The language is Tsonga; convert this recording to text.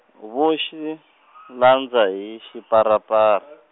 vo xi , landza hi xiparapara.